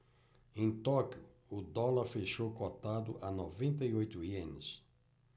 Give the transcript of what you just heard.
em tóquio o dólar fechou cotado a noventa e oito ienes